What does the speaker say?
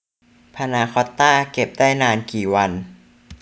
พานาคอตต้าเก็บได้นานกี่วัน